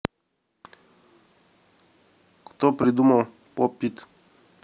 кто придумал pop it